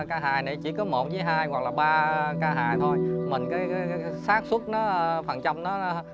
ca hài này chỉ có một với hai hoặc là ba ca hài thôi mà cái xác suất nó ơ phần trăm nó ơ